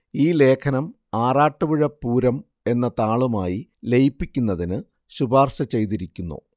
ഈ ലേഖനം ആറാട്ടുപുഴ പൂരം എന്ന താളുമായി ലയിപ്പിക്കുന്നതിന് ശുപാര്‍ശ ചെയ്തിരിക്കുന്നു